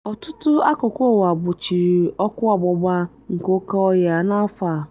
Ọtụtụ akụkụ ụwa gbochiri ọkụ ọgbụgba nke oke ọhịa n'afọ a.